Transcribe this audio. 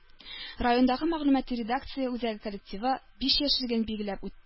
Райондагы мәгълүмати-редакция үзәге коллективы биш яшьлеген билгеләп үтте